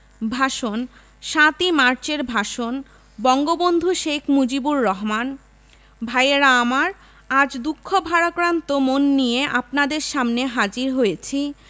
ভাষণ সাতই মার্চের ভাষণ বঙ্গবন্ধু শেখ মুজিবুর রহমান ভায়েরা আমার আজ দুঃখ ভারাক্রান্ত মন নিয়ে আপনাদের সামনে হাজির হয়েছি